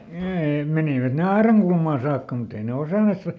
niin menivät ne aidankulmaan saakka mutta ei ne osanneet sitten vain